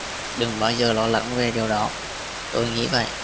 đừng bao giờ lo lắng về điều đó tôi nghĩ vậy